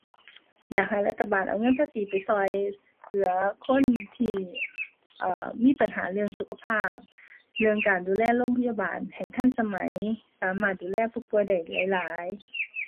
อยากให้รัฐบาลเอาเงินภาษีไปช่วยเหลือคนที่ เอ่อ มีปัญหาเรื่องสุขภาพ เรื่องการดูแลโรงพยาบาลให้ทันสมัย สามารถดูแลผู้ป่วยได้หลายหลาย